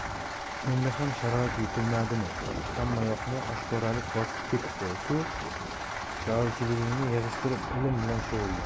endi ham sharoit yetilmadimi hammayoqni oshkoralik bosib ketdi ku shoirchiligingni yig'ishtirib ilm bilan shug'ullan